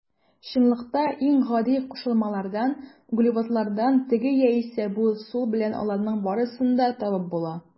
Чынлыкта иң гади кушылмалардан - углеводородлардан теге яисә бу ысул белән аларның барысын да табып була.